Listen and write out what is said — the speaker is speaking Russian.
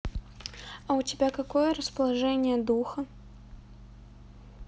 а у тебя какое расположение духа